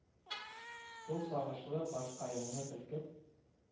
Шул сагышлы башкаеңны селкеп